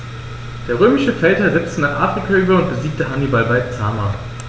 Der römische Feldherr setzte nach Afrika über und besiegte Hannibal bei Zama.